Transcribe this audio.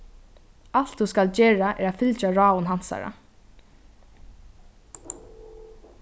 alt tú skalt gera er at fylgja ráðum hansara